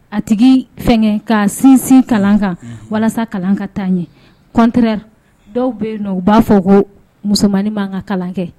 A tigi fɛngɛn, ka sinsin kalan kan walasa kalan ka taa ɲɛ. Contraire dɔw bɛ ye nɔ u b'a fɔ ko musomannin mankan ka kalan kɛ.